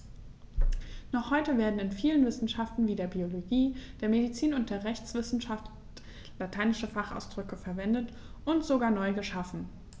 Noch heute werden in vielen Wissenschaften wie der Biologie, der Medizin und der Rechtswissenschaft lateinische Fachausdrücke verwendet und sogar neu geschaffen.